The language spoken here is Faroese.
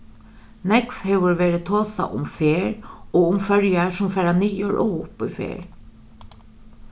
nógv hevur verið tosað um ferð og um føroyar sum fara niður og upp í ferð